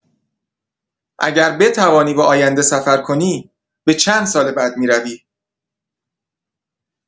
اگر بتوانی به آینده سفر کنی به چند سال بعد می‌روی؟